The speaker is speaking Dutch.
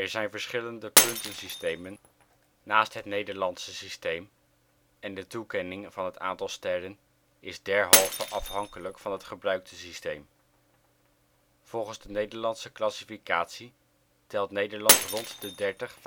zijn verschillende puntensystemen naast het Nederlandse systeem en de toekenning van het aantal sterren is derhalve afhankelijk van het gebruikte systeem. Volgens de Nederlandse classificatie telt Nederland rond de dertig